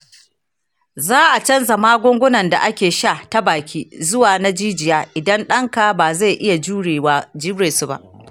za a canza magungunan da ake sha ta baki zuwa na jijiya idan danka ba zai iya jure su ba.